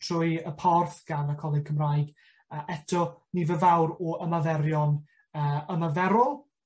trwy y porth gan y Coleg Cymraeg a eto nifyr fawr o ymaferion yy ymaferol